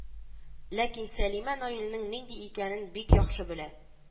Ләкин Сәлимә Наилнең нинди икәнен бик яхшы белә